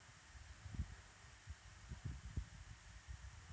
сайт путь просто